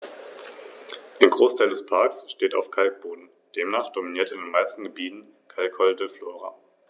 Ziel dieses Biosphärenreservates ist, unter Einbeziehung von ortsansässiger Landwirtschaft, Naturschutz, Tourismus und Gewerbe die Vielfalt und die Qualität des Gesamtlebensraumes Rhön zu sichern.